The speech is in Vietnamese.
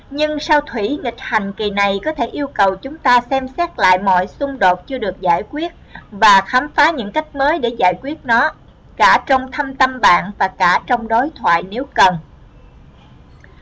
nhưng sao thủy nghịch hành kỳ này có thể yêu cầu chúng ta xem xét lại mọi xung đột chưa được giải quyết và khám phá những cách mới để giải quyết nó cả trong thâm tâm bạn và cả trong đối thoại nếu cần